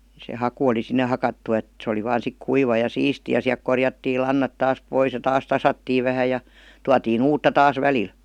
se haku oli sinne hakattu että se oli vain sitten kuiva ja siisti ja sieltä korjattiin lannat taas pois ja taas tasattiin vähän ja tuotiin uutta taas välillä